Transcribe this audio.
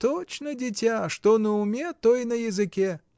— Точно дитя: что на уме, то и на языке!